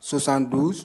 Sonsan duuru